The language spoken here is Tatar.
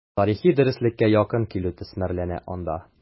Тарихи дөреслеккә якын килү төсмерләнә анда.